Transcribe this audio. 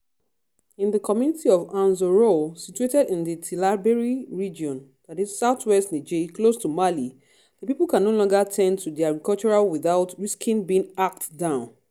In the community of Anzourou, situated in the Tillabéri region [south-west Niger, close to Mali], the people can no longer tend to their agricultural without risking being hacked down.